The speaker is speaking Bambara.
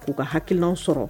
K'u ka hakilinaw sɔrɔ